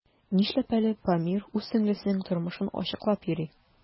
Нишләп әле Памир үз сеңлесенең тормышын ачыклап йөри?